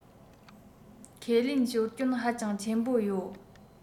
ཁས ལེན ཞོར སྐྱོན ཧ ཅང ཆེན པོ ཡོད